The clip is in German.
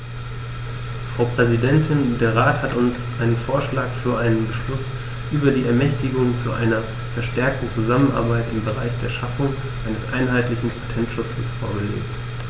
Frau Präsidentin, der Rat hat uns einen Vorschlag für einen Beschluss über die Ermächtigung zu einer verstärkten Zusammenarbeit im Bereich der Schaffung eines einheitlichen Patentschutzes vorgelegt.